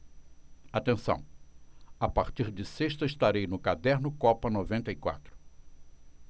atenção a partir de sexta estarei no caderno copa noventa e quatro